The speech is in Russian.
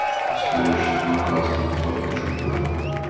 история шестой класс бойцов и шукуров